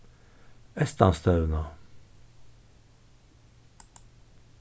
eystanstevna